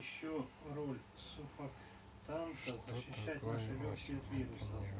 что такое осень это небо